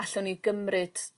Allwn ni gymryd